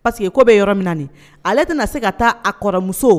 Pariseke ko bɛ yɔrɔ min na nin ale tɛna se ka taa a kɔrɔmuso